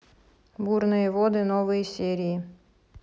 бурные воды новые серии